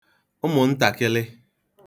ụmụntakịlị